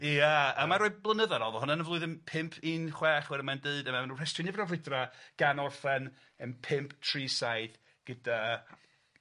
Ia a mae rai blynyddoedd yn ôl o'dd hwn yn y flwyddyn pump un chwech wedyn mae'n deud o fewn gan orffen yn pump tri saith gyda